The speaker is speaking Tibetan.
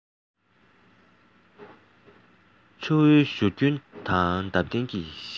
ཆུ བོའི བཞུར རྒྱུན དང འདབ ལྡན གྱི བཞད དབྱངས